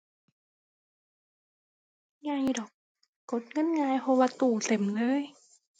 ง่ายอยู่ดอก กดเงินง่าย เพราะว่าตู้เต็มเลย